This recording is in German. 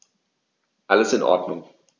Alles in Ordnung.